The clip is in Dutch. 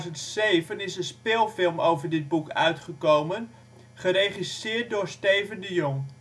In 2007 is een speelfilm over dit boek uitgekomen, geregisseerd door Steven de Jong